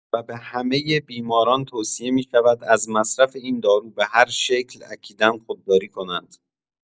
و به همه بیماران توصیه می‌شود از مصرف این دارو به هر شکل اکیدا خودداری کنند.